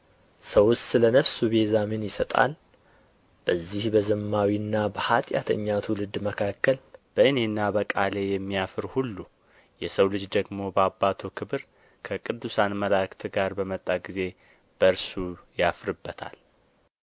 ሰውስ ስለ ነፍሱ ቤዛ ምን ይሰጣል በዚህም በዘማዊና በኃጢአተኛ ትውልድ መካከል በእኔና በቃሌ የሚያፍር ሁሉ የሰው ልጅ ደግሞ በአባቱ ክብር ከቅዱሳን መላእክት ጋር በመጣ ጊዜ በእርሱ ያፍርበታል